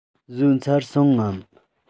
ཟོས ཚར སོང ངམ